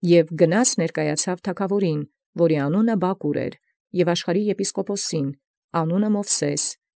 Եւ երթեալ յանդիման լինէր թագաւորին, որում անուն էր Բակուր, և եպիսկոպոսի աշխարհին՝ Մովսէս։